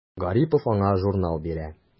Гарипов аңа журнал бирә.